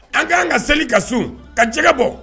An k ka kanan ka seli ka sun ka jɛgɛ bɔ